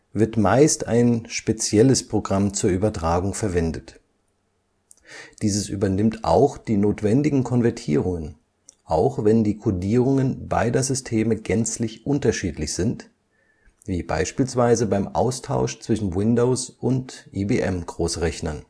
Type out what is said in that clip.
wird meist ein spezielles Programm zur Übertragung verwendet. Dieses übernimmt auch die notwendigen Konvertierungen, auch wenn die Codierungen beider Systeme gänzlich unterschiedlich sind – wie beispielsweise beim Austausch zwischen Windows und IBM-Großrechnern